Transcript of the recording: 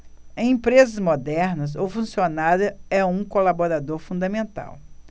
em empresas modernas o funcionário é um colaborador fundamental